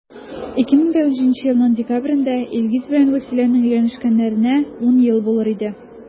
2017 елның декабрендә илгиз белән вәсиләнең өйләнешкәннәренә 10 ел булыр иде.